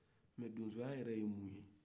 mais donsoya yɛre ye nun ye